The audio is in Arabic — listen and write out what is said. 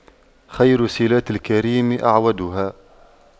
خير صِلاتِ الكريم أَعْوَدُها